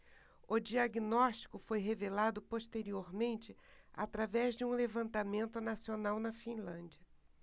o diagnóstico foi revelado posteriormente através de um levantamento nacional na finlândia